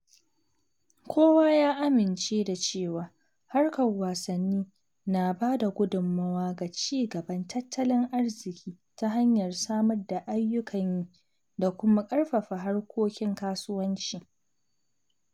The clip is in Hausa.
Kowa ya amince da cewa harkar wasanni na ba da gudunmawa ga ci gaban tattalin arziki ta hanyar samar da ayyukan yi da kuma ƙarfafa harkokin kasuwanci.